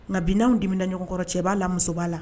Ŋa bi n'anw dimina ɲɔgɔn kɔrɔ cɛ b'a la muso b'a la